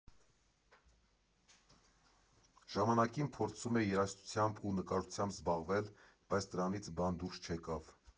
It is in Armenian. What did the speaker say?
Ժամանակին փորձում էի երաժշտությամբ ու նկարչությամբ զբաղվել, բայց դրանից բան դուրս չեկավ։